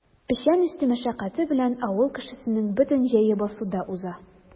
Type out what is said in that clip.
Печән өсте мәшәкате белән авыл кешесенең бөтен җәе басуда уза.